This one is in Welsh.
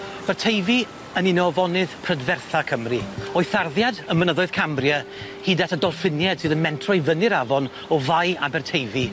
Ma'r Teifi yn un o afonydd prydfertha Cymru o'i tharddiad ym mynyddoedd Cambria hyd at y dolffinied sydd yn mentro i fyny'r afon o fai Aberteifi.